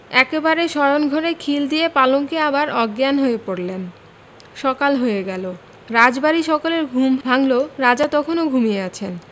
একেবারে শয়ন ঘরে খিল দিয়ে পালঙ্কে আবার অজ্ঞান হয়ে পড়লেন সকাল হয়ে গেল রাজবাড়ির সকলের ঘুম ভাঙল রাজা তখনও ঘুমিয়ে আছেন